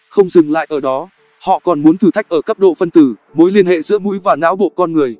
không dừng lại ở đó họ còn muốn thử thách ở cấp độ phân tử mối liên hệ giữa mũi và não bộ con người